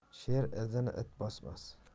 sher izini it bosmas